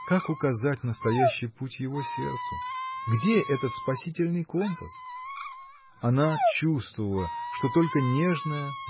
Как указать настоящий путь его сердцу? Где этот спасительный компас? Она чувствовала что только нежная